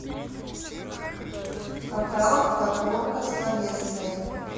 каталог подборка словесные